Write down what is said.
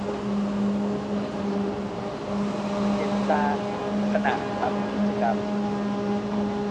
เจ็บตาขณะทำกิจกรรม